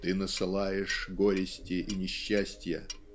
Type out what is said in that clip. "Ты насылаешь горести и несчастья